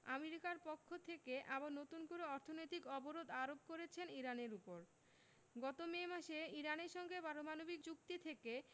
আমেরিকার পক্ষ থেকে আবার নতুন করে অর্থনৈতিক অবরোধ আরোপ করেছেন ইরানের ওপর গত মে মাসে ইরানের সঙ্গে পারমাণবিক চুক্তি থেকে